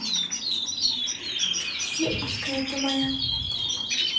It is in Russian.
светская ти моя